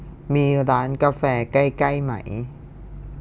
มีร้านกาแฟใกล้ใกล้ไหม